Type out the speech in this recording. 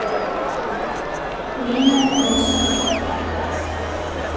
время вопросов